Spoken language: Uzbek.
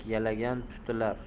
chelak yalagan tutilar